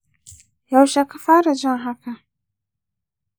yaushe ka fara jin haka?